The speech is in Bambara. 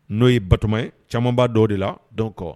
N'o ye batomɛ camanba dɔ de la dɔn kɔ